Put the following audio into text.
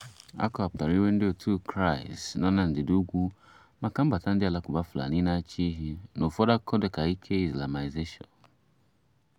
Akọwapụtara iwe ndị Otu Ụka Kraịst nọ na ndịda ugwu maka mbata ndị Alakụba Fulani na-achị ehi n'ụfọdụ akụkọ dịka ike 'Islamisation'.